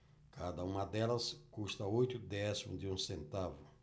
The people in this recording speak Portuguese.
cada uma delas custa oito décimos de um centavo